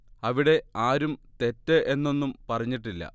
അവിടെ ആരും തെറ്റ് എന്നൊന്നും പറഞ്ഞിട്ടില്ല